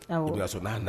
N'